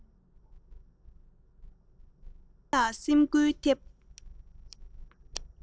ཟླ བ ལ སེམས འགུལ ཐེབས